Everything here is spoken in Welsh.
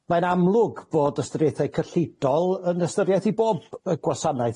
Mae'n amlwg fod ystyriethau cyllidol yn ystyrieth i bob yy gwasanaeth,